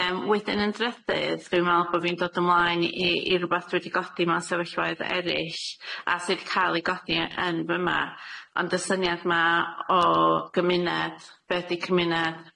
Yym wedyn yn drydydd dwi me'wl bo' fi'n dod ymlaen i i rwbath dwi wedi godi mewn sefyllfaoedd eryll a sydd ca'l ei godi y- yn fyma ond y syniad ma' o gymuned, be' di cymuned,